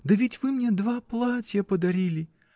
Да ведь вы мне два платья подарили!.